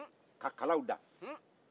ka kalaw da